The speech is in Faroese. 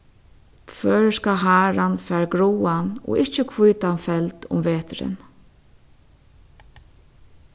føroyska haran fær gráan og ikki hvítan feld um veturin